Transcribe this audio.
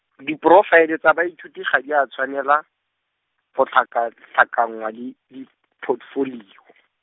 diporofaele tsa baithuti ga di a tshwanelwa, go tlhakatlhakanngwa le, le dipotefolio.